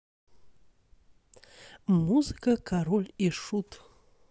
музыка король и шут